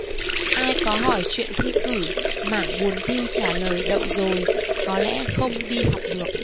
ai có hỏi chuyện thi cử mảng buồn thiu trả lời đậu rồi có lẽ không đi học được